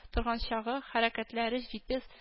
Торган чагы, хәрәкәтләре җитез